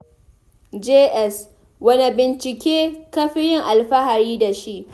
JS: Wanne bincike ka fi yin alfahari da shi?